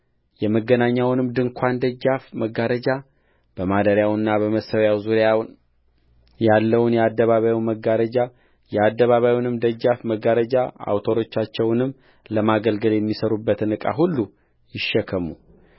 የመገናኛውንም ድንኳን ደጃፍ መጋረጃበማደሪያውና በመሠዊያው ዙሪያ ያለውን የአደባባዩን መጋረጃ የአደባባዩንም ደጃፍ መጋረጃ አውታሮቻቸውንም ለማገልገልም የሚሠሩበትን ዕቃ ሁሉ ይሸከሙ